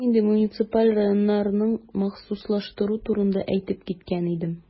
Мин инде муниципаль районнарны махсуслаштыру турында әйтеп киткән идем.